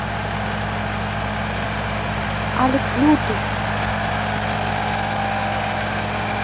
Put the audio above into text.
алекс лютый